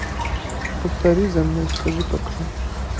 повтори за мной скажи пока